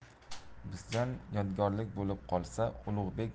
bizdan yodgorlik bo'lib qolsa ulug'bek